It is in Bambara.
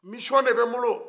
mission de bɛ n bolo